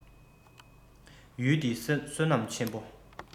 ཡུལ འདི བསོད ནམས ཆེན པོ